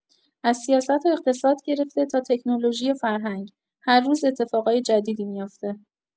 از سیاست و اقتصاد گرفته تا تکنولوژی و فرهنگ، هر روز اتفاقای جدیدی میفته.